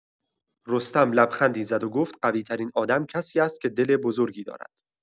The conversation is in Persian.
رستم لبخندی زد و گفت: «قوی‌ترین آدم کسی است که دل بزرگی دارد.»